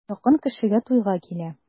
Якын кешегә туйга килә.